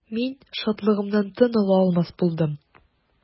Мин шатлыгымнан тын ала алмас булдым.